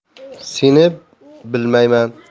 seni bilmayman